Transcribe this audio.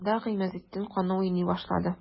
Анда Гыймазетдин каны уйный башлады.